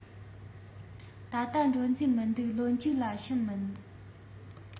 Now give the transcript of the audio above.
ད ལྟ འགྲོ རྩིས མི འདུག ལོ མཇུག ལ ཕྱིན མིན འགྲོ